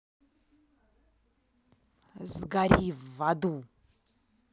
сгори в аду